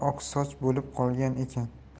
oqsoch bo'lib qolgan ekan